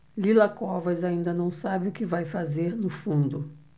lila covas ainda não sabe o que vai fazer no fundo